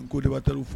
Koriba danf